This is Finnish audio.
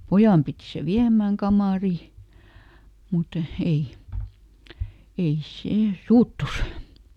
pojan piti se viemään kamariin mutta ei ei se suuttui